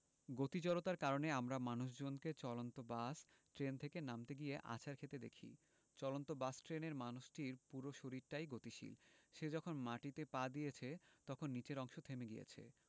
গতি জড়তার কারণে আমরা মানুষজনকে চলন্ত বাস ট্রেন থেকে নামতে গিয়ে আছাড় খেতে দেখি চলন্ত বাস ট্রেনের মানুষটির পুরো শরীরটাই গতিশীল সে যখন মাটিতে পা দিয়েছে তখন নিচের অংশ থেমে গিয়েছে